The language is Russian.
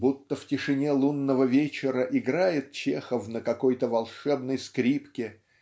будто в тишине лунного вечера играет Чехов на какой-то волшебной скрипке